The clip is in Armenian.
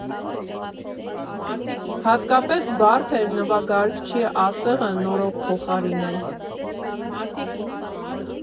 Հատկապես բարդ էր նվագարկչի ասեղը նորով փոխարինել։